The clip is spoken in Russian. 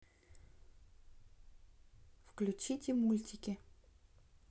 включите мультики